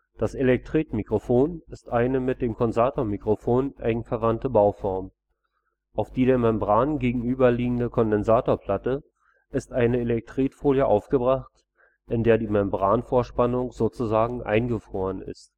Das Elektretmikrofon ist eine mit dem Kondensatormikrofon eng verwandte Bauform. Auf die der Membran gegenüberliegende Kondensatorplatte ist eine Elektretfolie aufgebracht, in der die Membranvorspannung sozusagen „ eingefroren “ist